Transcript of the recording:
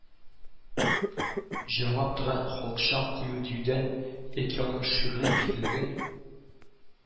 Җырлап тора, халыкчан, кыю диюдән, яки аның шигъри биеклеген